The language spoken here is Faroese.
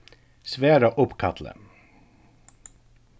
svara uppkalli